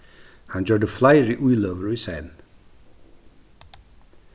hann gjørdi fleiri íløgur í senn